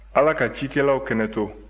ala ka cikɛlaw kɛnɛ to